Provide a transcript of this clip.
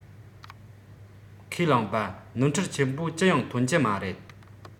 ཁས བླངས པ ནོར འཁྲུལ ཆེན པོ ཅི ཡང ཐོན གྱི མ རེད